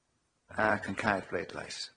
Ac yn cau'r bleidlais.